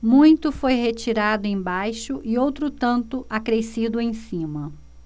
muito foi retirado embaixo e outro tanto acrescido em cima